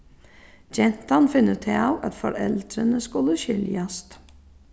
gentan finnur útav at foreldrini skulu skiljast